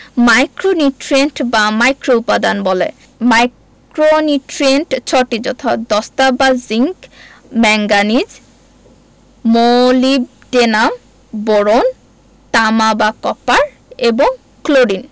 micronutrient বা মাইক্রোউপাদান বলে মাইক্রোনিউট্রিয়েন্ট ৬টি যথা দস্তা বা জিংক ম্যাংগানিজ মোলিবডেনাম বোরন তামা বা কপার এবং ক্লোরিন